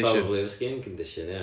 probably efo skin condition ia